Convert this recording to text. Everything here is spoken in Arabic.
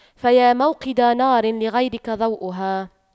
فيا موقدا نارا لغيرك ضوؤها